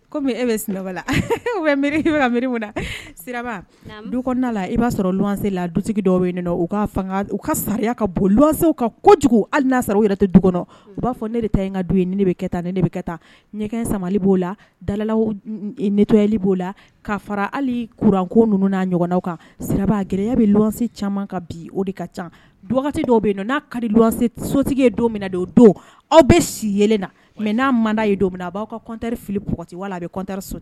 Kɔmi e bɛ sina la bɛ mi sira du la i b'a sɔrɔ la dutigi dɔw u ka sariya ka bon waw ka kojugu hali n'a u tɛ du kɔnɔ u b'a fɔ ne de taa ka du ne bɛ kɛ taa ne bɛ kɛ taa ɲɛgɛn sama b'o la dalalaw netɔli b'o la ka fara hali kuranko ninnu'a ɲɔgɔn kan siraba gɛlɛyaya bɛ se caman ka bi o de ka ca du dɔw bɛ yen n'a ka sotigi ye don min na o don aw bɛ si yɛlɛ na mɛ n'a man ye don min na a b'aw kata fili pti wala a bɛta so